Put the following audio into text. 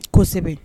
Kosɛbɛ